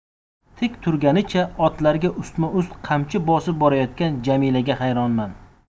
tik turganicha otlarga ustma ust qamchi bosib borayotgan jamilaga xayronman